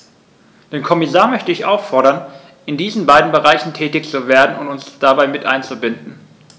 Den Kommissar möchte ich auffordern, in diesen beiden Bereichen tätig zu werden und uns dabei mit einzubinden.